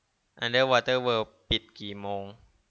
อันเดอร์วอเตอร์เวิล์ดปิดกี่โมง